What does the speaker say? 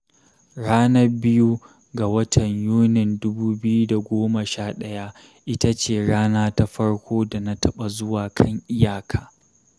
Ranar 2 ga watan Yunin 2011 ita ce rana ta farko da na taɓa zuwa kan iyaka.